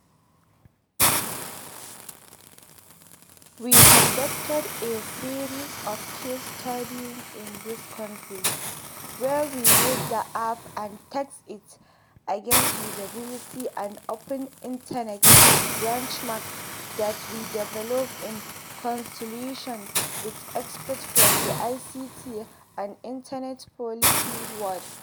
We conducted a series of case studies in these countries where we used the app and tested it against usability and open internet benchmarks that we developed in consultation with experts from the ICT and internet policy world.